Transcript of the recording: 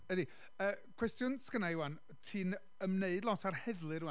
Ydi, y cwestiwn sy gynna i ŵan, ti'n ymwneud lot â'r heddlu rŵan.